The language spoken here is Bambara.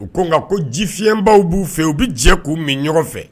U ko nka ko ji fibaw b'u fɛ yen u bɛ jɛ k'u min ɲɔgɔn fɛ